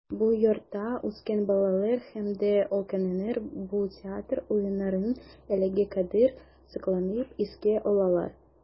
Бу йортта үскән балалар һәм дә өлкәннәр бу театр уеннарын әлегә кадәр сокланып искә алалар.